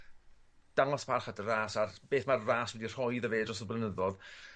dangos parch at y ras a'r beth ma'r ras wedi rhoi iddo fe dros y blynyddodd